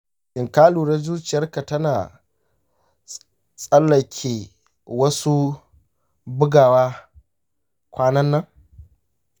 shin ka lura zuciyarka tana tsallake wasu bugawa kwanan nan?